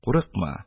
Курыкма: